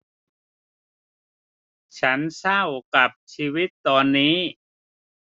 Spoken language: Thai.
ฉันเศร้ากับชีวิตตอนนี้